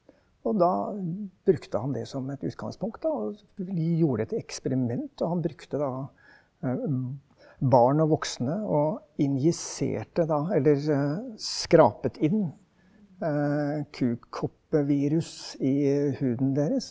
og da brukte han det som et utgangspunkt da, og de gjorde et eksperiment, og han brukte da barn og voksne og injiserte da eller skrapet inn kukoppevirus i huden deres.